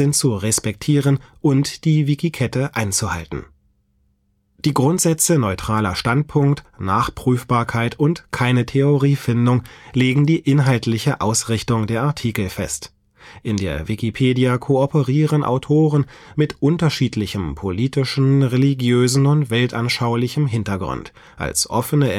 zu respektieren und die Wikiquette einzuhalten. Hauptseite der deutschen Wikipedia vom März 2009 Die Grundsätze „ neutraler Standpunkt “,„ Nachprüfbarkeit “und „ Keine Theoriefindung “legen die inhaltliche Ausrichtung der Artikel fest. In der Wikipedia kooperieren Autoren mit unterschiedlichem politischen, religiösen und weltanschaulichen Hintergrund, als offene